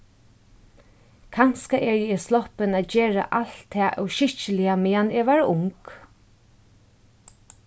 kanska eg eri sloppin at gera alt tað óskikkiliga meðan eg var ung